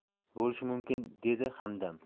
bo'lishi mumkin dedi hamdam